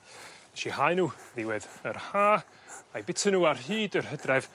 nesh i hau n'w ddiwedd yr Ha a'i bita n'w ar hyd yr Hydref